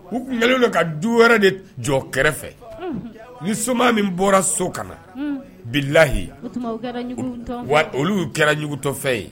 U tun kɛlen don ka du wɛrɛ de jɔ kɛrɛfɛ ni soman min bɔra so ka na bi layi wa olu kɛra jugutɔfɛn ye